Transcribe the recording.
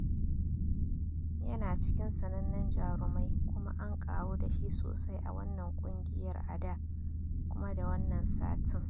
Yana cikin sanannen jarumai kuma an karu da shi sosai a wannan kungiyar a da, kuma da wannan satin.